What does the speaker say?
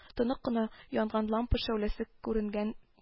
Тонык кына янган лампа шәүләсе күренгән